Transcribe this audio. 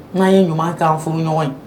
N'an ye ɲuman k'an furuɲɔgɔn ye